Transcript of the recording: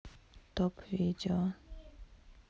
топ видео